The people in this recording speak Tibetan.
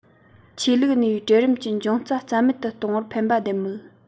ཆོས ལུགས གནས པའི གྲལ རིམ གྱི འབྱུང རྩ རྩ མེད དུ གཏོང བར ཕན པ ལྡན མོད